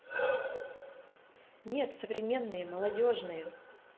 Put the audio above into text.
нет современные молодежные